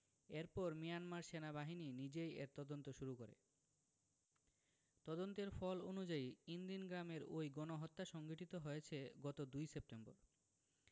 এরপর মিয়ানমার সেনাবাহিনী নিজেই এর তদন্ত শুরু করে তদন্তের ফল অনুযায়ী ইনদিন গ্রামের ওই গণহত্যা সংঘটিত হয়েছে গত ২ সেপ্টেম্বর